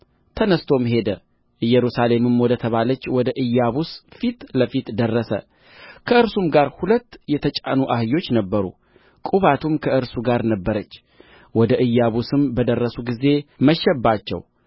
ተነሥቶም ሄደ ኢየሩሳሌምም ወደ ተባለች ወደ ኢያቡስ ፊት ለፊት ደረሰ ከእርሱም ጋር ሁለት የተጫኑ አህዮች ነበሩ ቁባቱም ከእርሱ ጋር ነበረች ወደ ኢያቡስም በደረሱ ጊዜ መሸባቸው